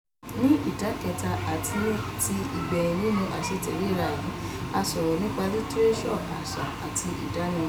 Ní ìdá kẹta àti ti ìgbẹ̀yìn nínú àṣetẹ̀léra yìí, a sọ̀rọ̀ nípa litireso, àṣà àti ìdánimọ̀.